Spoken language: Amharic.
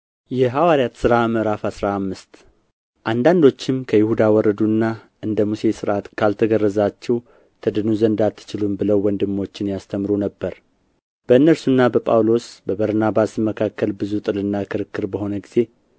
የሐዋርያት ሥራ ምዕራፍ አስራ አምስት አንዳንዶችም ከይሁዳ ወረዱና እንደ ሙሴ ሥርዓት ካልተገረዛችሁ ትድኑ ዘንድ አትችሉም ብለው ወንድሞችን ያስተምሩ ነበር በእነርሱና በጳውሎስ በበርናባስም መካከል ብዙ ጥልና ክርክር በሆነ ጊዜ